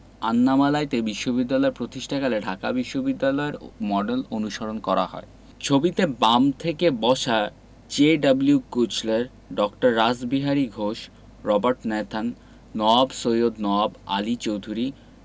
আন্নামালাইতে বিশ্ববিদ্যালয় প্রতিষ্ঠাকালে ঢাকা বিশ্ববিদ্যালয়ের মডেল অনুসরণ করা হয় ছবিতে বাম থেকে বসা যে ডব্লিউ. কুলচার ড. Rashbehari Ghosh Robert Nathan Nawab Syed Nawab Ali Chowdhury